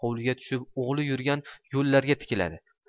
hovliga tushib o'g'li yurgan yo'llarga tikiladi